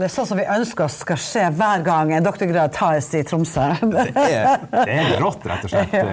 det er sånn som vi ønsker skal skje hver gang en doktorgrad tas i Tromsø .